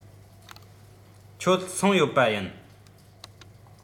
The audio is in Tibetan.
ཁྱོད སོང ཡོད པ ཡིན